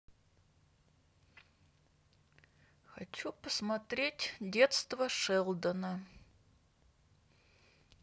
хочу посмотреть детство шелдона